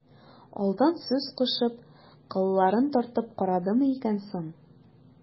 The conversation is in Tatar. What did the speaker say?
Алдан сүз кушып, кылларын тартып карадымы икән соң...